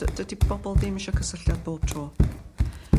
Dy- dydi bobol ddim isio cysylltiad bob tro.